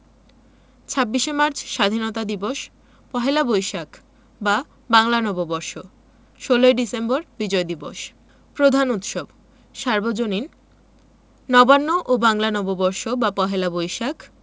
২৬শে মার্চ স্বাধীনতা দিবস পহেলা বৈশাখ বা বাংলা নববর্ষ ১৬ই ডিসেম্বর বিজয় দিবস প্রধান উৎসবঃ সর্বজনীন নবান্ন ও বাংলা নববর্ষ বা পহেলা বৈশাখ